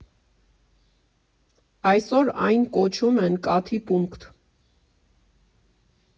Այսօր այն կոչում են «Կաթի պունկտ»